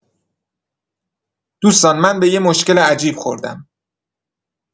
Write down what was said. دوستان من به یه مشکل عجیب خوردم.